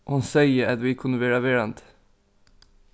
hon segði at vit kunnu verða verandi